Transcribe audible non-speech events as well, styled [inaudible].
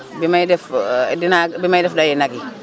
bi may def [hesitation] dinaa bi may def dayu nag yi [crosstalk]